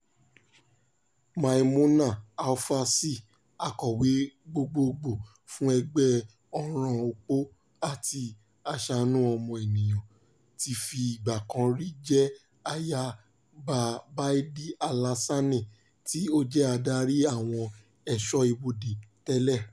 Maimouna Alpha Sy, akọ̀wé gbogboògbò fún Ẹgbẹ́ Ọ̀ràn Opó àti Aṣàánù ọmọ-ènìyàn, ti fi ìgbà kan rí jẹ́ aya Ba Baïdy Alassane, tí ó jẹ́ adarí àwọn ẹ̀ṣọ́ ibodè tẹ́lẹ̀.